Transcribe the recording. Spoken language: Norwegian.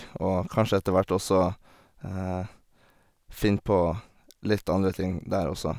Og kanskje etter hvert også finne på litt andre ting der også.